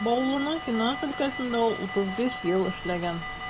Баулының финанс өлкәсендә ул 35 ел эшләгән.